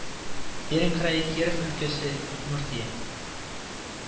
Пермь крае, Киров өлкәсе, Удмуртия